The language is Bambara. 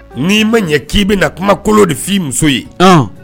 N'i ma ɲɛ k'i bena kumakolon de f'i muso ye ɔnn